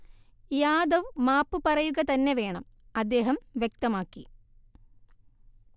യാദവ് മാപ്പ് പറയുക തന്നെ വേണം, അ്ദദേഹം വ്യക്തമാക്കി